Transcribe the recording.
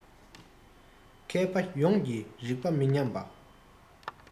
མཁས པ ཡོངས ཀྱི རིག པ མི ཉམས པ